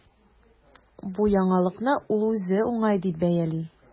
Бу яңалыкны ул үзе уңай дип бәяли.